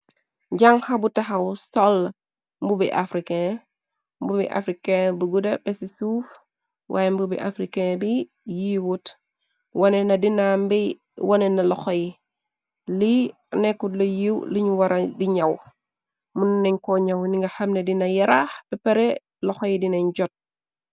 Jànxa bu taxaw sol mbubi africain mbubi africain bu guda pesi suuf waaye mbubbi africain bi yii wuut wone na dinabi wone na loxoy lii nekkut la yiiw luñu wara di ñaw mën nañ koñaw ni nga xamne dina yaraax pepare loxoy dina jot.